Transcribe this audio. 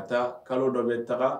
Ka taa kalo dɔ bɛ taga